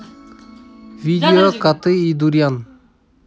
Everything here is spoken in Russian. видео коты и дуриан